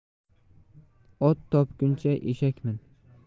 ot topguncha eshak min